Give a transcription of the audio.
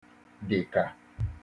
dịkà